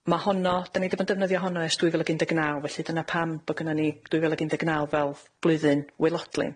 Ma' honno, 'da ni 'di bod yn defnyddio honno ers dwy fil ag un deg naw. Felly dyna pam bo' gynnon ni dwy fil ag un deg naw fel blwyddyn waelodlin.